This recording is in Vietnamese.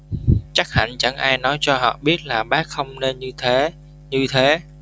chắc hẳn chẳng ai nói cho họ biết là bác không nên như thế như thế